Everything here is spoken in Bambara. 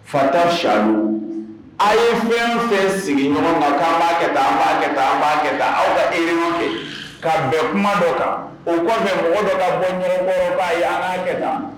Fata sayanku a ye fiɲɛ fɛn sigi ɲɔgɔn kan' b'a kɛ an b'a kɛ an b'a kɛ aw bɛ e ɲɔgɔn fɛ' bɛn kuma dɔ kan o kɔfɛ mɔgɔ dɔ bɔ ɲɔgɔnbɔ ba ye an b'a kɛ taa